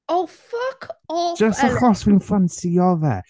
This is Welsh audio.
Oh, fuck off, Ellis! ...jyst achos dwi'n ffansïo fe.